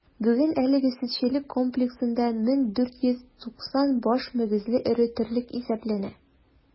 Бүген әлеге сөтчелек комплексында 1490 баш мөгезле эре терлек исәпләнә.